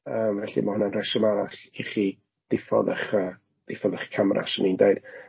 Yym, felly ma' hynna'n reswm arall i chi ddifodd eich yy ddiffodd eich camera 'swn i'n deud.